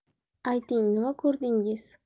ayting nima ko'rdingiz